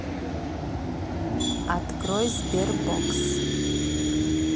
открой sberbox